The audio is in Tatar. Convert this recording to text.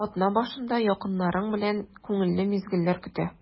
Атна башында якыннарың белән күңелле мизгелләр көтә.